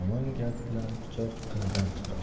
yomon gap bilan pichoq qinidan chiqar